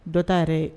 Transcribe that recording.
Dɔ ta yɛrɛ ye